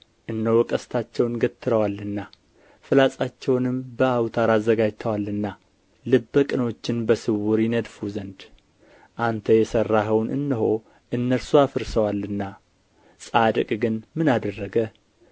እነሆ ቀስታቸውን ገትረዋልና ፍላጻቸውንም በአውታር አዘጋጅተዋልና ልበ ቅኖችን በስውር ይነድፉ ዘንድ አንተ የሠራኸውን እነሆ እነርሱ አፍርሰዋልና ጻድቅ ግን ምን አደረገ